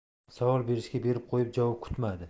savol berishga berib qo'yib javob kutmadi